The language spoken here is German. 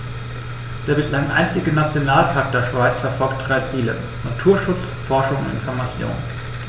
Der bislang einzige Nationalpark der Schweiz verfolgt drei Ziele: Naturschutz, Forschung und Information.